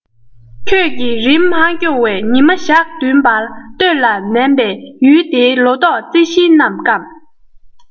ཁྱིད ཀྱི རིན མ འཁྱོངས བས ཉི མ ཞག བདུན བར སྟོད ལ མནན པས ཡུལ འདིའི ལོ ཏོག རྩི ཤིང རྣམས བསྐམས